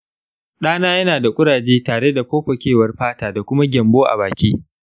ɗana yana da kuraje tare da fofokewar fata da kuma gyambo a baki